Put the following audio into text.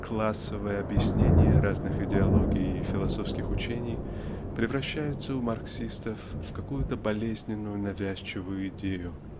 "Классовые" объяснения разных идеологий и философских учений превращаются у марксистов в какую-то болезненную навязчивую идею.